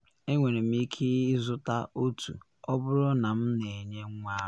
Enwere m ike ịzụta otu ọ bụrụ na m na enye nwa ara.